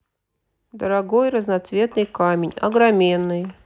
дорогой разноцветный камень огроменный